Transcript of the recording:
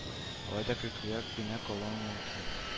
Алай да көлкегә генә калуың мөмкин